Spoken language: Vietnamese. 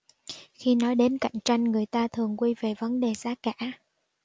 khi nói đến cạnh tranh người ta thường quy về vấn đề giá cả